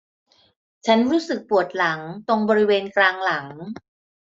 ฉันรู้สึกปวดหลังตรงบริเวณกลางหลัง